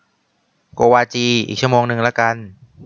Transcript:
โกวาจีอีกชั่วโมงนึงละกัน